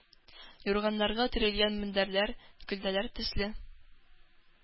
Юрганнарга төрелгән мендәрләр, көлтәләр төсле,